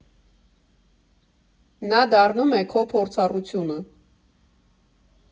Նա դառնում է քո փորձառությունը։